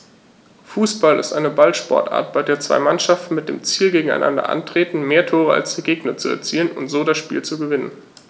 Fußball ist eine Ballsportart, bei der zwei Mannschaften mit dem Ziel gegeneinander antreten, mehr Tore als der Gegner zu erzielen und so das Spiel zu gewinnen.